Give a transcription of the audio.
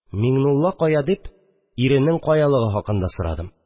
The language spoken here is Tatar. «миңнулла кая?» – дип, иренең каялыгы хакында сорадым